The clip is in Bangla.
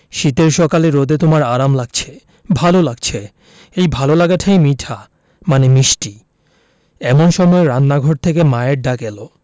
একটা সেলাই মেশিন তাহলে দেখিস আমাকে আর তোদের টানতে হবে না সেলাই টেলাই করে আমি খুব চালিয়ে নিতে পারব খোকনটাও বড় হয়ে যাবে